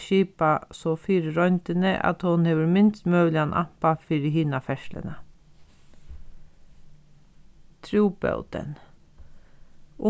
skipa so fyri royndini at hon hevur minst møguligan ampa fyri hina ferðsluna trúbótin